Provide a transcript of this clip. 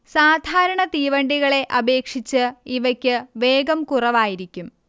സാധാരണ തീവണ്ടികളെ അപേക്ഷിച്ച് ഇവക്ക് വേഗം കുറവായിരിക്കും